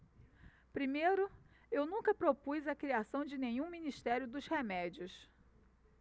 primeiro eu nunca propus a criação de nenhum ministério dos remédios